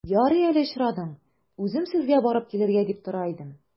Ярый әле очрадың, үзем сезгә барып килергә дип тора идем.